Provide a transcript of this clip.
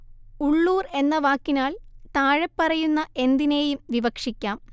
ഉള്ളൂര്‍ എന്ന വാക്കിനാല്‍ താഴെപ്പറയുന്ന എന്തിനേയും വിവക്ഷിക്കാം